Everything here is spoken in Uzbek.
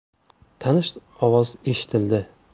tanish ovoz eshitildi